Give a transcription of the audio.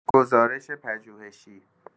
گزارش پژوهشی